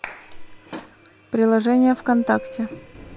приложение вконтакте